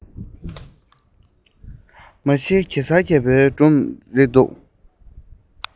དཔེ ཆ དེ མ གཞི གེ སར རྒྱལ པོའི སྒྲུང རེད འདུག